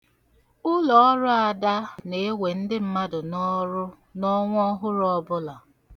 Ụlọọrụ Ada na-ewe ndị mmadụ n'ọrụ n'ọnwa ọhụrụ ọbụla.